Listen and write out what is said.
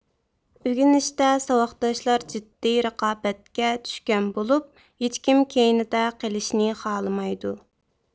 ئۇگىنىشتە ساۋاقداشلار جىددىي رىقابەتكە چۈشكەن بولۇپ ھېچكىم كەينىدە قېلىشنى خالىمايدۇ